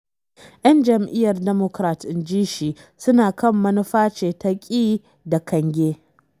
‘Yan jam’iyyar Democrat, inji shi, suna kan manufa ce ta “ƙi da kange.”